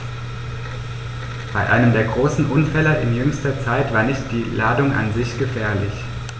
Bei einem der großen Unfälle in jüngster Zeit war nicht die Ladung an sich gefährlich.